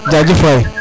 jajef waay